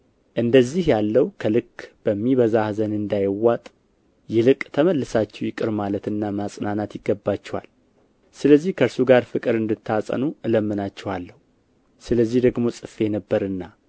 እንደዚህ ያለው ከልክ በሚበዛ ኀዘን እንዳይዋጥ ይልቅ ተመልሳችሁ ይቅር ማለትና ማጽናናት ይገባችኋል ስለዚህ ከእርሱ ጋር ፍቅርን እንድታጸኑ እለምናችኋለሁ ስለዚህ ደግሞ ጽፌ ነበርና